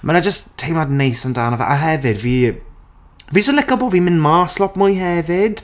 Mae 'na jyst teimlad neis amdano fe a hefyd fi fi jyst yn licio bod fi'n mynd mas lot mwy hefyd.